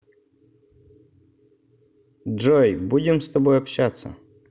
джой будем с тобой общаться